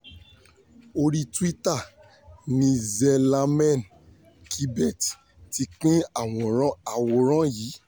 Orí Twitter ni Zelalem Kiberet ti pín àwòrán yìí.